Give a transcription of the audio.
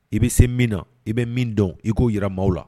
I bi se min na, i bɛ min dɔn i ko jira maaw la.